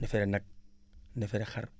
neefere nag neefere xar